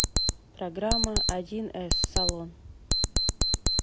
программа один эс салон